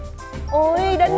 ôi